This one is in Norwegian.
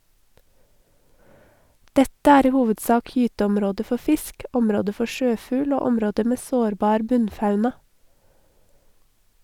Dette er i hovedsak gyteområder for fisk, områder for sjøfugl og områder med sårbar bunnfauna.